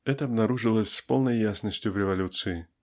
Это обнаружилось с полною ясностью в революции.